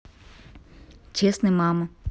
честный мама